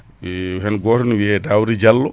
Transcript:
hen goto ne wiiye Daouda Diallo